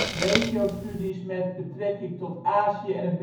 regiostudies met betrekking tot Azië en